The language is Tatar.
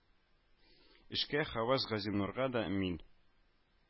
Эшкә һәвәс газинурга да мин